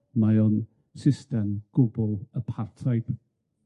Mae o'n system gwbwl apartheid.